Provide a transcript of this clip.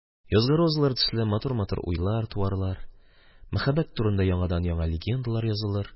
Язгы розалар төсле матур-матур уйлар туарлар, бәлки, мәхәббәт турында яңа легенда язылыр,